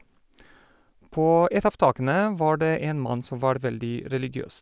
På ett av takene var det en mann som var veldig religiøs.